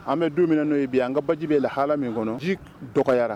An bɛ don min n'o ye bi an ka basijibi bɛe la hala min kɔnɔ dɔgɔyara